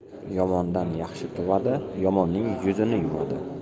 yomondan yaxshi tuvadi yomonning yuzini yuvadi